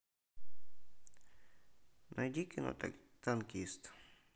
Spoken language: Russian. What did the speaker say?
найди кино танкист